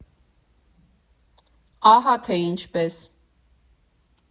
Ահա թե ինչպես։